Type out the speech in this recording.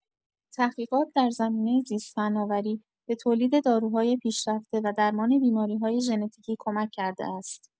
تحقیقات در زمینه زیست‌فناوری به تولید داروهای پیشرفته و درمان بیماری‌های ژنتیکی کمک کرده است.